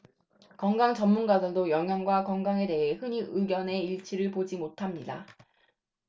건강 전문가들도 영양과 건강에 대해 흔히 의견의 일치를 보지 못합니다